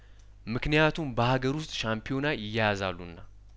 ምክንያቱም በሀገር ውስጥ ሻምፒዮና ይያያዛሉና